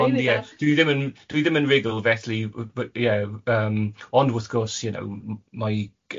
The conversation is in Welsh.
Ond ie dwi ddim yn dwi ddim yn rugl felly w- w- ie yym ond wrth gwrs you know mae g-